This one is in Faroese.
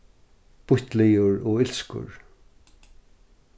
býttligur og ilskur